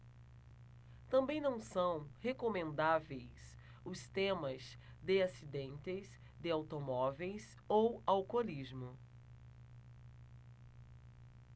também não são recomendáveis os temas de acidentes de automóveis ou alcoolismo